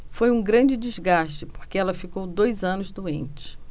foi um grande desgaste porque ela ficou dois anos doente